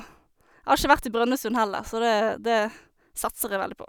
Har ikke vært i Brønnøysund heller, så det det satser jeg veldig på.